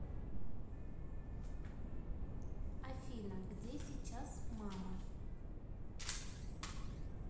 афина где сейчас мама